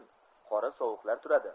qora sovuqlar turadi